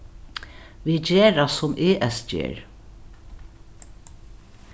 vit gera sum es ger